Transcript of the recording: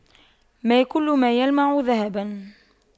ما كل ما يلمع ذهباً